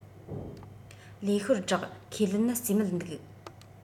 ལས ཤོར སྒྲག ཁས ལེན ནི རྩིས མེད འདུག